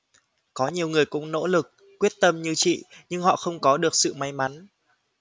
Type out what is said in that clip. có nhiều người cũng nỗ lực quyết tâm như chị nhưng họ không có được sự may mắn